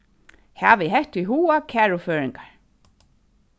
havið hetta í huga kæru føroyingar